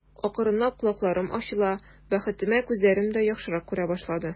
Акрынлап колакларым ачыла, бәхетемә, күзләрем дә яхшырак күрә башлады.